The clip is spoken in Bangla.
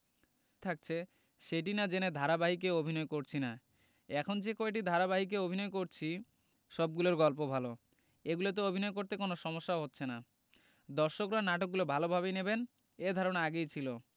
থাকছে সেটি না জেনে ধারাবাহিকে অভিনয় করছি না এখন যে কয়টি ধারাবাহিকে অভিনয় করছি সবগুলোর গল্প ভালো এগুলোতে অভিনয় করতে কোনো সমস্যাও হচ্ছে না দর্শকরা নাটকগুলো ভালোভাবেই নেবেন এ ধারণা আগেই ছিল